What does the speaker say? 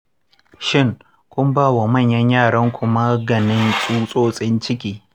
shin kun ba wa manyan yaranku maganin tsutsotsin ciki?